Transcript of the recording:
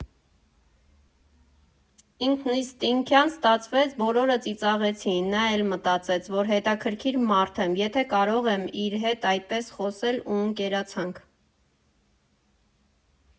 Ինքնըստինքյան ստացվեց, բոլորը ծիծաղեցին, նա էլ մտածեց, որ հետաքրքիր մարդ եմ, եթե կարող եմ իր հետ այդպես խոսել ու ընկերացանք։